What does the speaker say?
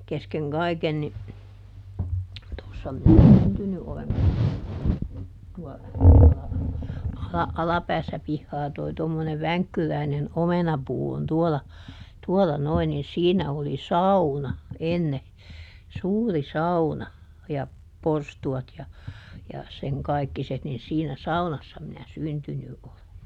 kesken kaiken niin tuossa minä syntynyt olen tuossa tuolla - alapäässä pihaa tuo tuommoinen vänkkyräinen omenapuu on tuolla tuolla noin niin siinä oli sauna ennen suuri sauna ja porstuat ja ja sen kaikkiset niin siinä saunassa minä syntynyt olen